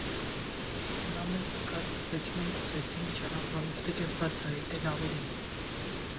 Նա մեզ նկարեց, բայց մենք ուզեցինք ճանապարհորդել և բացահայտել ավելին։